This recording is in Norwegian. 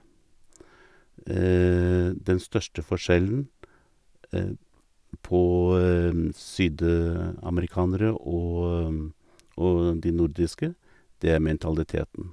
Den største forskjellen på sydamerikanere og og de nordiske, det er mentaliteten.